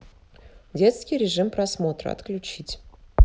детский режим просмотра отключить